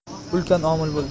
ulkan omil bo'ldi